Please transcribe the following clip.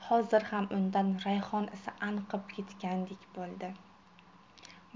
hozir ham undan rayhon isi anqib ketgandek bo'ldi